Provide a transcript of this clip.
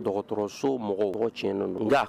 Dɔgɔtɔrɔso mɔgɔ ti da